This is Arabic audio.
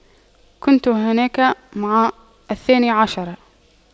كنت هناك مع الثاني عشر